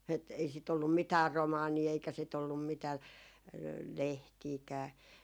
että ei sitä ollut mitään romaaneja eikä sitä ollut mitään lehtiäkään